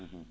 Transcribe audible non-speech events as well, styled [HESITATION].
[HESITATION] [HESITATION]